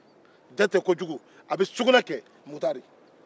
u ja tigɛ kojugu u bɛ sugunɛ kɛ mukutari